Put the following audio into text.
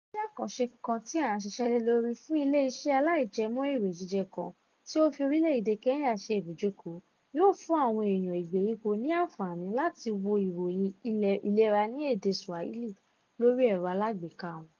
Iṣẹ́ àkànṣe kan tí à ń ṣiṣẹ́ lè lórí fún ilé iṣẹ́ aláìjẹmọ́ èrè jíjẹ kan tí ó fi orílè-èdè Kenya ṣe ibùjókòó yóò fún àwọn èèyàn ìgbèríko ní àǹfààní láti wo ìròyìn ìlera ní èdè Swahili lórí ẹ̀rọ alágbèéká wọn.